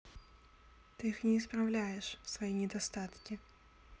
ты их не исправляешь свои недостатки